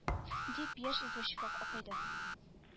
- дип, яшь извозчикка акайды.